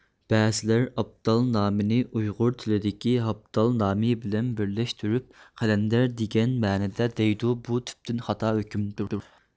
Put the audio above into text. بەزىلەر ئابدال نامىنى ئۇيغۇر تىلىدىكى ھابدال نامى بىلەن بىرلەشتۈرۈپ قەلەندەر دېگەن مەنىدە دەيدۇ بۇ تۈپتىن خاتا ھۆكۈمدۇر